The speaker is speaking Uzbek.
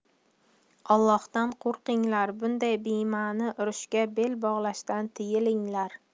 ollohdan qo'rqinglar bunday bema'ni urushga bel bog'lashdan tiyilinglar